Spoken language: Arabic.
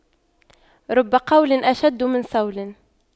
رب قول أشد من صول